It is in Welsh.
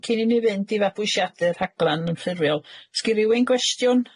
Cyn i ni fynd i fabwysiadau'r rhaglan yn ffurfiol, s'gin rywun gwestiwn?